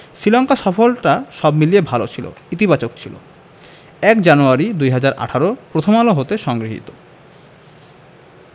শ্রীলঙ্কা সফরটা সব মিলিয়ে ভালো ছিল ইতিবাচক ছিল ০১ জানুয়ারি ২০১৮ প্রথম আলো হতে সংগৃহীত